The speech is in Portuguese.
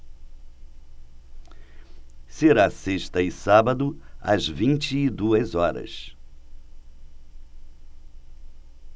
será sexta e sábado às vinte e duas horas